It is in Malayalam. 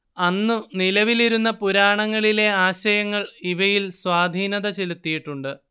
അന്നു നിലവിലിരുന്ന പുരാണങ്ങളിലെ ആശയങ്ങൾ ഇവയിൽ സ്വാധീനത ചെലുത്തിയിട്ടുണ്ട്